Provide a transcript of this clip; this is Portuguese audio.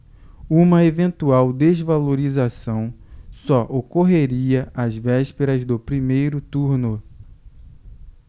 uma eventual desvalorização só ocorreria às vésperas do primeiro turno